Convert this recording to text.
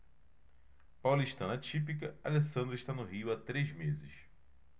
paulistana típica alessandra está no rio há três meses